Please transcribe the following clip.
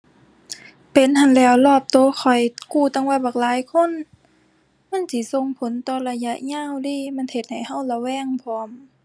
เป็นหั้นแหล้ว รอบตัวข้อยกู้ตั้งว่าบักหลายคน มันสิส่งผลต่อระยะยาวเดะ มันเฮ็ดให้ตัวระแวงพร้อม